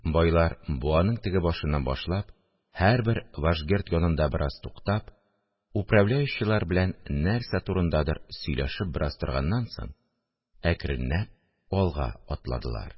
Байлар буаның теге башыннан башлап, һәрбер вашгерд янында бераз туктап, управляющийлар белән нәрсә турындадыр сөйләшеп бераз торганнан соң, әкренләп алга атладылар